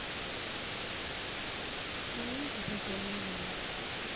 женитьба бальзаминова